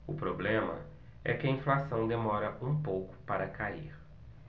o problema é que a inflação demora um pouco para cair